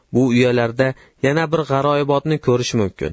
bu uyalarda yana bir g'aroyibotni ko'rish mumkin